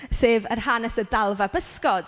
Sef yr hanes y dalfa bysgod.